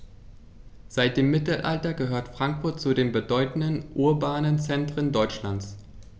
Seit dem Mittelalter gehört Frankfurt zu den bedeutenden urbanen Zentren Deutschlands.